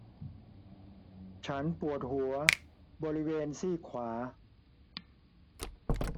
ฉันปวดหัวบริเวณซีกขวา